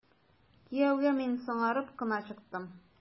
Кияүгә мин соңарып кына чыктым.